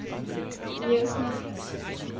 Mir ist nach Häppchen.